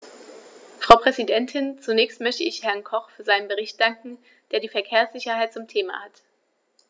Frau Präsidentin, zunächst möchte ich Herrn Koch für seinen Bericht danken, der die Verkehrssicherheit zum Thema hat.